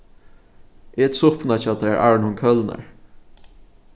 et suppuna hjá tær áðrenn hon kólnar